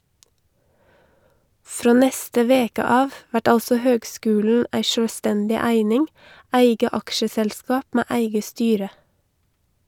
Frå neste veke av vert altså høgskulen ei sjølvstendig eining , eit eige aksjeselskap med eige styre.